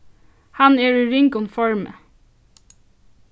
hann er í ringum formi